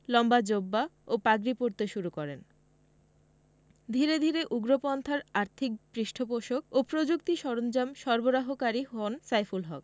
লম্বা জোব্বা ও পাগড়ি পরতে শুরু করেন ধীরে ধীরে উগ্রপন্থার আর্থিক পৃষ্ঠপোষক ও প্রযুক্তি সরঞ্জাম সরবরাহকারী হন সাইফুল হক